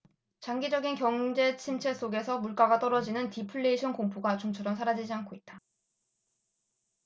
장기적인 경기침체 속에서 물가가 떨어지는 디플레이션 공포가 좀처럼 사라지지 않고 있다